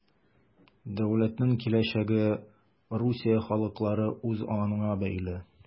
Дәүләтнең киләчәге Русия халыклары үзаңына бәйле.